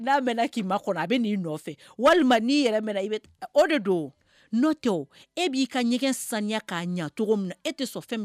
Walima e kagɛn' ɲɛ cogo min e tɛ fɛn